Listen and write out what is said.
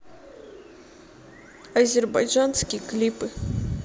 азербайджанские клипы